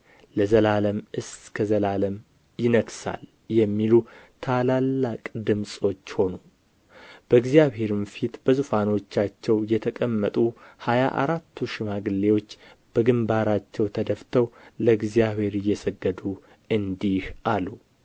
ለዘላለምም እስከ ዘላለም ይነግሣል የሚሉ ታላላቅ ድምፆች ሆኑ በእግዚአብሔርም ፊት በዙፋኖቻቸው የተቀመጡ ሀያ አራቱ ሽማግሌዎች በግምባራቸው ተደፍተው ለእግዚአብሔር እየሰገዱ እንዲህ አሉ